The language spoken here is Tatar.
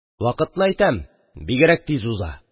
– вакытны әйтәм, бигрәк тиз уза...